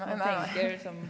nei nei.